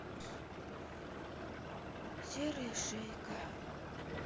серая шейка